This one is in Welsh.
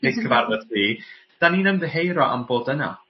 neis cyfarfod ti 'dan ni'n ymddiheuro am bod yna.